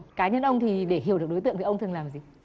cá nhân ông thì để hiểu được đối tượng thì ông thường làm gì